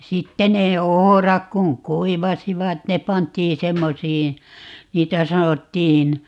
sitten ne ohrat kun kuivasivat ne pantiin semmoisiin niitä sanottiin